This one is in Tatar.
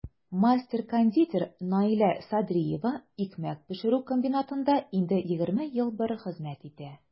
Мастер-кондитер Наилә Садриева икмәк пешерү комбинатында инде 21 ел хезмәт итә.